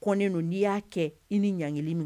Kɔnnen don n'i y'a kɛ i ni ɲaŋili mi